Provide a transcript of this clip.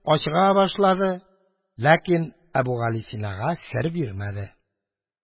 Ачыга башлады, ләкин Әбүгалисинага сер бирмәде.